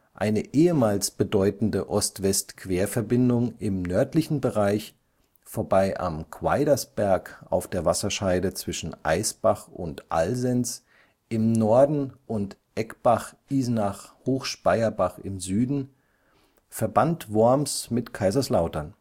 Eine ehemals bedeutende Ost-West-Querverbindung im nördlichen Bereich, vorbei am Quaidersberg auf der Wasserscheide zwischen Eisbach/Alsenz im Norden und Eckbach/Isenach/Hochspeyerbach im Süden, verband Worms mit Kaiserslautern